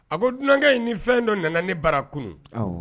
A ko dunankɛ in ni fɛn dɔ nana ne bara kunun, unhun.